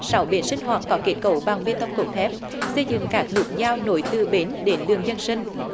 sáu bể sinh hoạt có kết cấu bằng bê tông cốt thép xây dựng các nút giao nối từ bến đến đường dân sinh